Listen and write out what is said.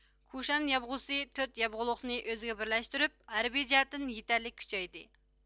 كۇشان يابغۇسى تۆت يابغۇلۇقنى ئۆزىگە بىرلەشتۈرۈپ ھەربىي جەھەتتىن يېتەرلىك كۈچەيدى